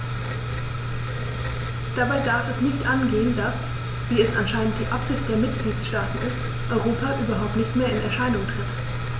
Dabei darf es nicht angehen, dass - wie es anscheinend die Absicht der Mitgliedsstaaten ist - Europa überhaupt nicht mehr in Erscheinung tritt.